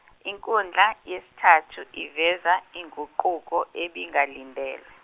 inkundla yesithathu iveza inguquko ebingalindelwe.